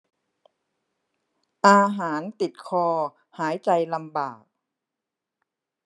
อาหารติดคอหายใจลำบาก